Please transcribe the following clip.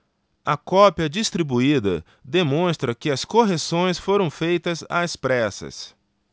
a cópia distribuída demonstra que as correções foram feitas às pressas